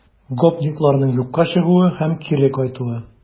Гопникларның юкка чыгуы һәм кире кайтуы